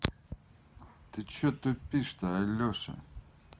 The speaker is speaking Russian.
ты че тупишь то алеша